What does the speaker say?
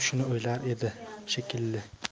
shuni o'ylardi shekilli